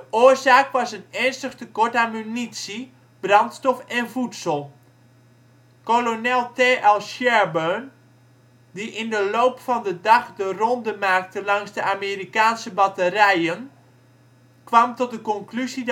oorzaak was een ernstig tekort aan munitie, brandstof en voedsel. Kolonel T.L. Sherburne die in de loop van de dag de ronde maakte langs de Amerikaanse batterijen, kwam tot de conclusie